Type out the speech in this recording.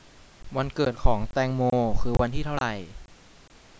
วันเกิดของแตงโมคือวันที่เท่าไร